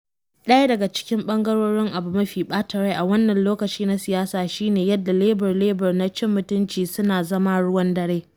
Daya daga cikin ɓangarorin abu mafi ɓata rai a wannan lokaci na siyasa shi ne yadda lebur-lebur na cin mutunci suna zama ruwan dare.